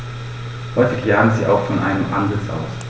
Häufig jagen sie auch von einem Ansitz aus.